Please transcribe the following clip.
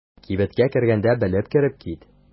Кибеткә кергәндә белеп кереп кит.